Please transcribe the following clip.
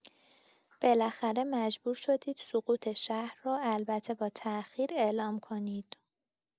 بالاخره مجبور شدید سقوط شهر رو البته با تاخیر اعلام کنید